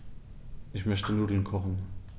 Ich möchte Nudeln kochen.